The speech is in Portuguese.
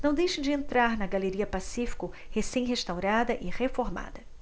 não deixe de entrar na galeria pacífico recém restaurada e reformada